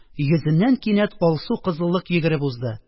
Йөзеннән кинәт алсу кызыллык йөгереп узды